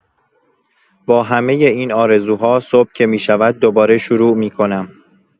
با همه این آرزوها، صبح که می‌شود دوباره شروع می‌کنم.